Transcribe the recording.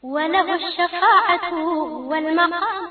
Wa nadiu safaa atu wal maqaama